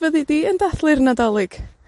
...fyddi di yn dathlu'r Nadolig?